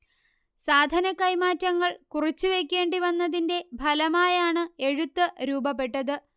സാധനക്കൈമാറ്റങ്ങൾ കുറിച്ചുവെക്കേണ്ടിവന്നതിൻറെ ഫലമായാണ് എഴുത്ത് രൂപപ്പെട്ടത്